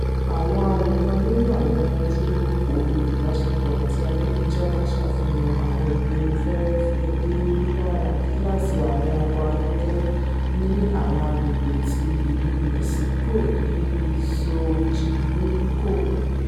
Àwọn àwòrán lori àwọn ojú-òpó ìbáṣepọ̀ ti ayélujára ṣàfihàn àwọn ìpele fẹ́rẹfẹ́ éerú lárá gíláàsì àwọn ọkọ̀ ayọ́kẹ́lẹ́ ní àwọn agbègbè̀̀ ti Ìlú Mẹ́ṣíkò bíi Xochimilco.